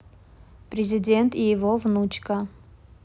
президент и его внучка